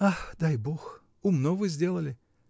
— Ах, дай Бог: умно бы сделали!